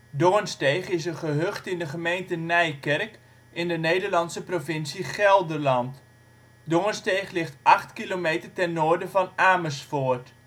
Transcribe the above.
Doornsteeg in een gehucht in de gemeente Nijkerk, in de Nederlandse provincie Gelderland. Doornsteeg ligt 8 kilometer te noorden van Amersfoort